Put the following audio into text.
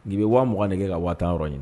Ibi bɛ wa mɔgɔ dege ka waa tan yɔrɔ ɲini